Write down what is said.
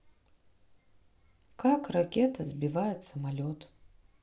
как ракета сбивает самолет